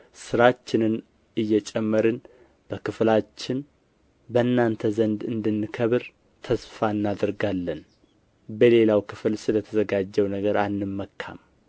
ሥራችንን እየጨመርን በክፍላችን በእናንተ ዘንድ እንድንከብር ተስፋ እናደርጋለን በሌላው ክፍል ስለ ተዘጋጀው ነገር አንመካም